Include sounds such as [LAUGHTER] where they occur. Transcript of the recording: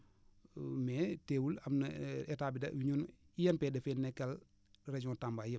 [HESITATION] mais teewul am na [HESITATION] état da ñun INP da fee nekkal région Tamba yëpp